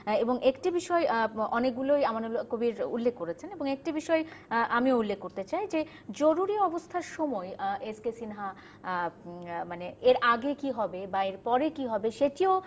এবং একটি বিষয় অনেকগুলো আমানুল কবির উল্লেখ করেছেন এবং একটি বিষয়ে আমি উল্লেখ করতে চাই যে জরুরী অবস্থার সময় এস কে সিনহা মানে এর আগে কি হবে বা এর পরে কি হবে সেটিও